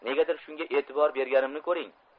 negadir shunga e'tibor berganimni ko'ring